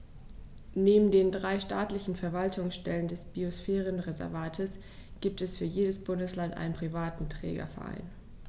Neben den drei staatlichen Verwaltungsstellen des Biosphärenreservates gibt es für jedes Bundesland einen privaten Trägerverein.